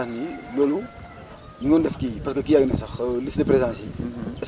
waaw loolu laay wax nii loolu ñu ngi doon def kii yi parce que kii yaa ngi liste de présence yi